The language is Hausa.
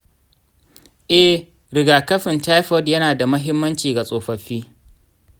eh, rigakafin taifod yana da aminci ga tsofaffi.